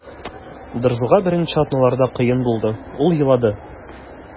Доржуга беренче атналарда кыен булды, ул елады.